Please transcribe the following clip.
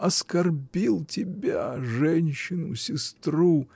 оскорбил тебя, женщину, сестру!